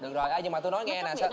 được rồi đó nhưng tui nói nghe nè sao